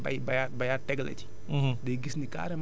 maanaam da cee bay bayaat bayaat tegale ci